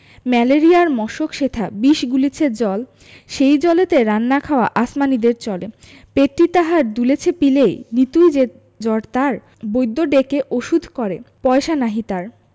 ম্যালেরিয়ার মশক সেথা বিষ গুলিছে জল সেই জলেতে রান্না খাওয়া আসমানীদের চলে পেটটি তাহার দুলেছে পিলেয় নিতুই যে জ্বর তার বৈদ্য ডেকে ওষুধ করে পয়সা নাহি আর